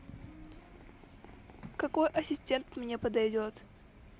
какой ассистент мне подойдет